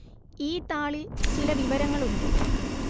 ഈ താളില്‍ ചില വിവരങ്ങള്‍ ഉണ്ട്